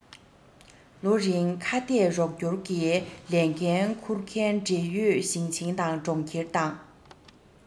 ལོ རིང ཁ གཏད རོགས སྐྱོར གྱི ལས འགན ཁུར མཁན འབྲེལ ཡོད ཞིང ཆེན དང གྲོང ཁྱེར དང